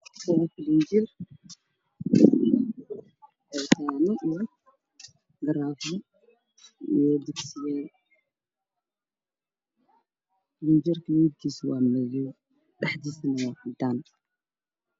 Waa filinjeer ka daaran yahay gudihiisa waxaa ku jira alaab sida dugsi jack caadada yaryar danjeerka midabkiisa waa midow dhexda uu ka ifayaa